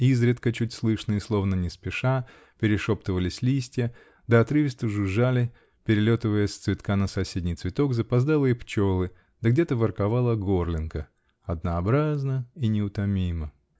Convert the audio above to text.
Изредка, чуть слышно и словно не спеша, перешептывались листья, да отрывисто жужжали, перелетывая с цветка на соседний цветок, запоздалые пчелы, да где-то ворковала горлинка -- однообразно и неутомимо.